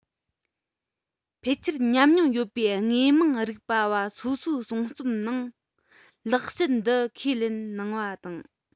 ཕལ ཆེར མཉམ མྱོང ཡོད པའི དངོས མང རིག པ བ སོ སོའི གསུང རྩོམ ནང ལེགས བཤད འདི ཁས ལེན གནང བ དང